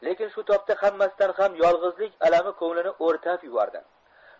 lekin shu tobda hammasidan ham yolgizlik alami ko'nglini o'rtab yubordi